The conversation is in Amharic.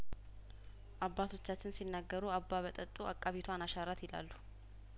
አባቶቻችን ሲናገሩ አባ በጠጡ አቃ ቢቷን አሻራት ይላሉ